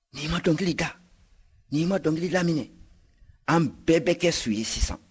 ni i ma dɔnkili da ni i ma dɔnkili laminɛ an bɛɛ bɛ kɛ su ye sisan